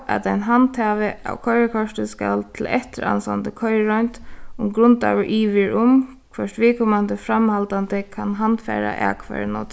at ein handhavi av koyrikorti skal til eftiransandi koyriroynd um grundaður ivi er um hvørt viðkomandi framhaldandi kann handfara akfarið nóg